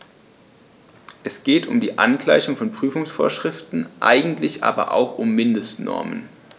Es geht um die Angleichung der Prüfungsvorschriften, eigentlich aber auch um Mindestnormen.